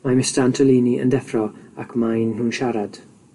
Mae Mista Antolini yn deffro, ac maen nhw'n siarad.